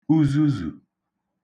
uzuzù